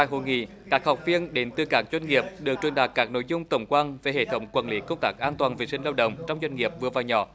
tại hội nghị các học viên đến từ các doanh nghiệp được truyền đạt các nội dung tổng quan về hệ thống quản lý công tác an toàn vệ sinh lao động trong doanh nghiệp vừa và nhỏ